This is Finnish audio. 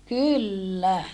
kyllä